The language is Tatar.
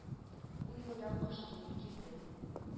Ул елда кыш суык килде